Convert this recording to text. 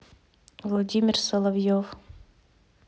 владимир соловьев